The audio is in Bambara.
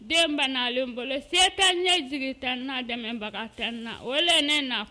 Den bɛlen n bolo se tɛ ɲɛ jigi tan na dɛmɛbaga tan na o ne na